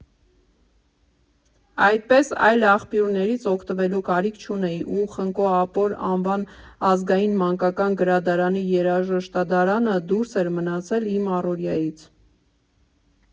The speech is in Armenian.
Այդպես, այլ աղբյուրներից օգտվելու կարիք չունեի, ու Խնկո Ապոր անվան ազգային մանկական գրադարանի երաժշտադարանը դուրս էր մնացել իմ առօրյայից։